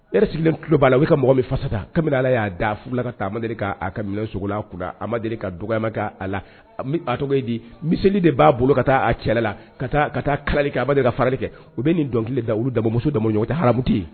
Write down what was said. Ne yɛrɛ sigilen tulo b'a la o bɛ ka mɔgɔ min fasa da, kabini Ala y'a da, a furula ka taa a ma deli ka a ka minɛnw sogolo a kunna, a ma deli ka dɔgɔyama kɛ a la, a tun bɛ a tɔgɔ bɛ di, miseli de b'a bolo ka taa a cɛla la, ka taa ka taa kalali kɛ, a ma deli ka farali kɛ, u bɛ nin dɔnkili de da, olu dama muso dama ni ɲɔgɔn cɛ haramu tɛ yen.